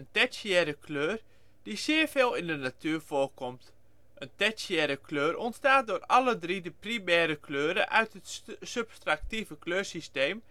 tertiaire kleur die zeer veel in de natuur voorkomt. Een tertiaire kleur ontstaat door alle drie de primaire kleuren uit het subtractieve kleursysteem